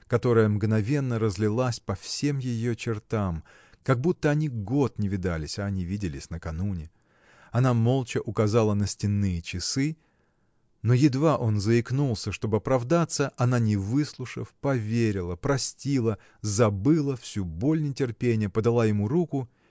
которая мгновенно разлилась по всем ее чертам как будто они год не видались а они виделись накануне. Она молча указала на стенные часы но едва он заикнулся чтоб оправдаться она не выслушав поверила простила забыла всю боль нетерпения подала ему руку